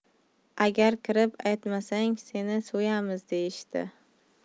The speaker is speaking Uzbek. agar kirib aytmasang seni so'yamiz deyishdi